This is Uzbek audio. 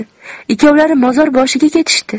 ikkovlari mozor boshiga ketishdi